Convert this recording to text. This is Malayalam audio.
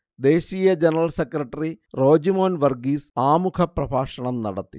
ദേശീയ ജനറൽ സെക്രട്ടറി റോജിമോൻ വർഗ്ഗീസ് ആമുഖപ്രഭാഷണം നടത്തി